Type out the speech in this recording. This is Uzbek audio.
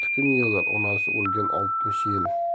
yig'lar onasi o'lgan oltmish yil